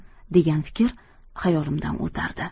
degan fikr xayolimdan o'tardi